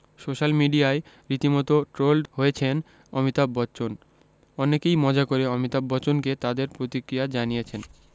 social মিডিয়ায় রীতিমতো trolled হয়েছেন অমিতাভ বচ্চন অনেকেই মজা করে অমিতাভ বচ্চনকে তাদের প্রতিক্রিয়া জানিয়েছেন